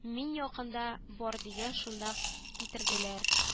Мин якында бар дигәч шунда китерделәр